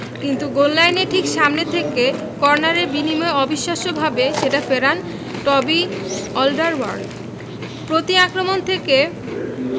কিন্তু গোললাইনের ঠিক সামনে থেকে কর্নারের বিনিময়ে অবিশ্বাস্যভাবে সেটা ফেরান টবি অলডারওয়ার্ল্ড প্রতি আক্রমণ থেকে